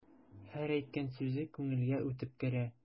Һәр әйткән сүзе күңелгә үтеп керә.